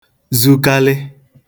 zukalị